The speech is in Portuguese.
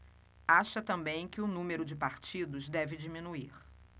acha também que o número de partidos deve diminuir